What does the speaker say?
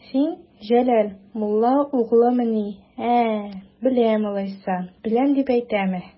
Син Җәләл мулла угълымыни, ә, беләм алайса, беләм дип әйтәме?